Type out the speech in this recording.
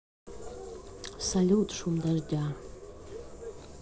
салют шум дождя